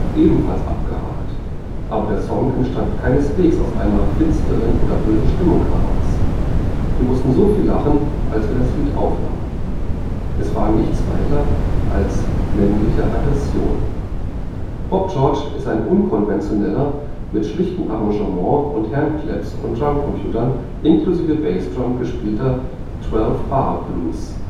ebenfalls abgehakt, aber der Song entstand keineswegs aus einer finsteren oder bösen Stimmung heraus. Wir mussten so viel lachen, als wir das Lied aufnahmen. Es war nichts weiter als männliche Aggression. “Bob George ist ein unkonventioneller, mit schlichtem Arrangement von Handclaps und Drumcomputer inklusive Bassdrum gespielter 12-Bar-Blues